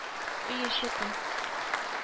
Өй эче тын